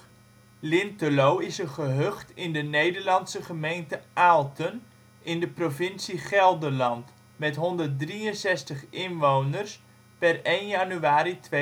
Lintel) is een gehucht in de Nederlandse gemeente Aalten (provincie Gelderland) met 163 inwoners (per 1 januari 2008